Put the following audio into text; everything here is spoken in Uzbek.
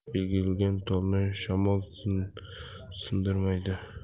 egilgan tolni shamol sindirmaydi